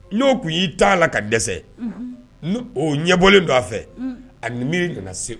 N'o tun y'i t'a la ka dɛsɛ o ɲɛbɔlen don a fɛ a ni miiri nana se